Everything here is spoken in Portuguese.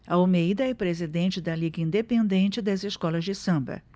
almeida é presidente da liga independente das escolas de samba